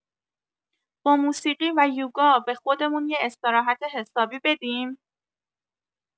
با موسیقی و یوگا به خودمون یه استراحت حسابی بدیم؟